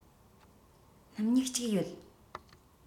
སྣུམ སྨྱུག གཅིག ཡོད